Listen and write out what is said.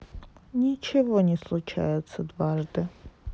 ничего не случается дважды